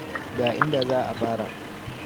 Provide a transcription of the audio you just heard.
Ga inda za a fara.